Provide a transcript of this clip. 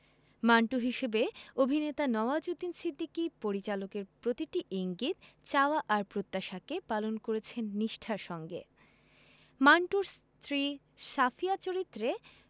মান্টো হিসেবে অভিনেতা নওয়াজুদ্দিন সিদ্দিকী পরিচালকের প্রতিটি ইঙ্গিত চাওয়া আর প্রত্যাশাকে পালন করেছেন নিষ্ঠার সঙ্গে মান্টোর স্ত্রী সাফিয়া চরিত্রে